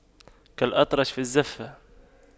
كالأطرش في الزَّفَّة